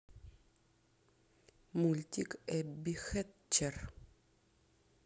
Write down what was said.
мультик эбби хэтчер